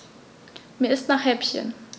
Mir ist nach Häppchen.